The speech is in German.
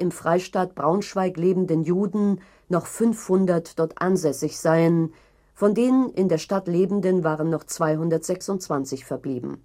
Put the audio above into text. Freistaat Braunschweig lebenden Juden noch 500 dort ansässig seien, von den in der Stadt lebenden waren noch 226 verblieben